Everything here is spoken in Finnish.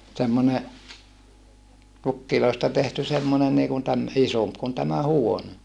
semmoinen pukeista tehty semmoinen niin kuin - isompi kuin tämä huone